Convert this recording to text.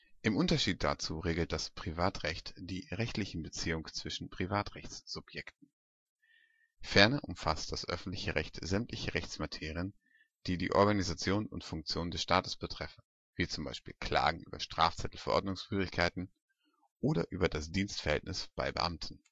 Im Unterschied dazu regelt das Privatrecht die rechtlichen Beziehungen zwischen Privatrechtssubjekten. Ferner umfasst das öffentliche Recht sämtliche Rechtsmaterien, die die Organisation und Funktion des Staats betreffen, wie z. B. Klagen über Strafzettel für Ordnungswidrigkeiten oder über das Dienstverhältnis bei Beamten